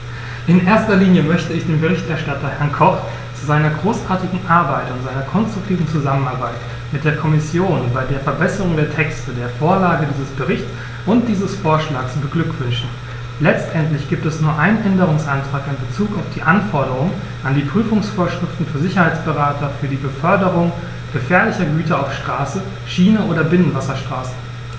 In erster Linie möchte ich den Berichterstatter, Herrn Koch, zu seiner großartigen Arbeit und seiner konstruktiven Zusammenarbeit mit der Kommission bei der Verbesserung der Texte, der Vorlage dieses Berichts und dieses Vorschlags beglückwünschen; letztendlich gibt es nur einen Änderungsantrag in bezug auf die Anforderungen an die Prüfungsvorschriften für Sicherheitsberater für die Beförderung gefährlicher Güter auf Straße, Schiene oder Binnenwasserstraßen.